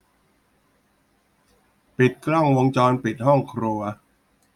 ปิดกล้องวงจรปิดห้องครัว